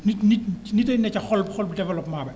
nit nit ci nitay nekk ca xol xolu développement ba